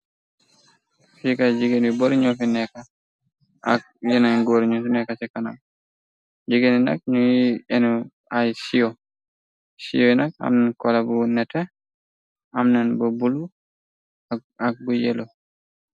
Fika jigéen yu boru ñurfi nekka ak yena ngóoru ñu nekka ca kanak jigéni nak ñuy enu ay siyo siyoy nak am kola bu nete am nan ba bul ak bu yëlo.